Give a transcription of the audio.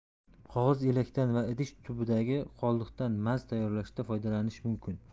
qog'oz elakdan va idish tubidagi qoldiqdan maz tayyorlashda foydalanish mumkin